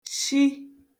shi